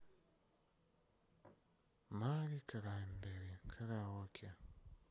мари краймбрери караоке